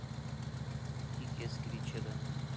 дикие скричеры